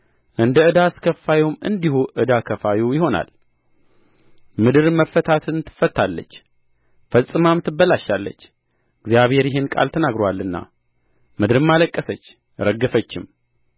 እንደ ዕዳ አስከፋዩም እንዲሁ ዕዳ ከፋዩ ይሆናል ምድር መፈታትን ትፈታለች ፈጽማም ትበላሻላች እግዚአብሔር ይህን ቃል ተናግሮአልና ምድርም አለቀሰች ረገፈችም